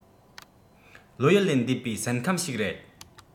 བློ ཡུལ ལས འདས པའི སེམས ཁམས ཞིག རེད